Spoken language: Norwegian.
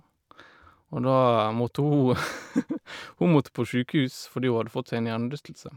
Og da måtte hun hun måtte på sjukehus fordi hun hadde fått seg en hjernerystelse.